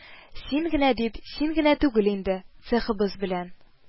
Син генә дип, син генә түгел инде: цехыбыз белән